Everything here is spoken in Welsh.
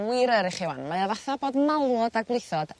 wir yr i chi 'wan mae o fatha bod malwod a gwlithod